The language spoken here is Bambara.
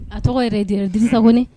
A tɔgɔ yɛrɛ de disag